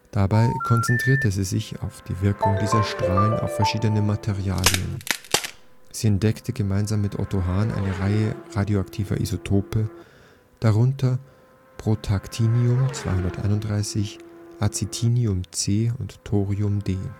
Dabei konzentrierte sie sich auf die Wirkung dieser Strahlen auf verschiedene Materialien. Sie entdeckte gemeinsam mit Otto Hahn eine Reihe radioaktiver Isotope, darunter Protactinium 231, Actinium C und Thorium D.